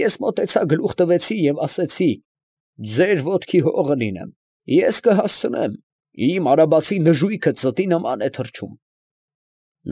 Ես մոտեցա, գլուխ տվեցի ու ասեցի. ձեր ոտքի հողը լինե՜մ. ես կհասցնեմ, իմ արաբացի նժույգը ծտի նման է թռչում։